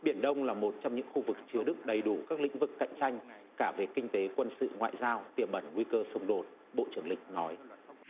biển đông là một trong những khu vực chứa đựng đầy đủ các lĩnh vực cạnh tranh cả về kinh tế quân sự ngoại giao tiềm ẩn nguy cơ xung đột bộ trưởng định nói